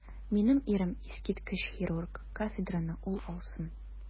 Минем ирем - искиткеч хирург, кафедраны ул алсын.